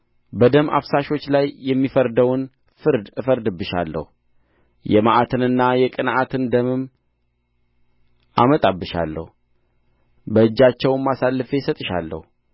በደም አፍሳሾች ላይ የሚፈረደውን ፍርድ እፈርድብሻለሁ የመዓትንና የቅንዓትን ደምም አመጣብሻለሁ በእጃቸውም አሳልፌ እሰጥሻለሁ